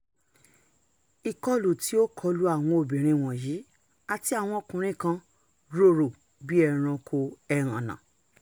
Ìkọlù tí ó kọ lu àwọn obìnrin wọ̀nyí (àti àwọn ọkùnrin kan) rorò bí ẹranko ẹhànnà.